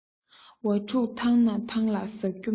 ཝ ཕྲུག ཐང ནས ཐང ལ ཟག རྒྱུ མེད